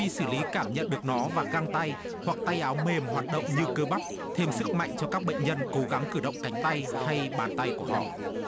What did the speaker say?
vi xử lý cảm nhận được nó và găng tay hoặc tay áo mềm hoạt động như cơ bắp thêm sức mạnh cho các bệnh nhân cố gắng cử động cánh tay hay bàn tay của họ